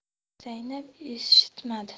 zaynab eshitmadi